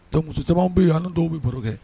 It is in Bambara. Muso caman bɛ yen ani dɔw bɛ bolo kɛ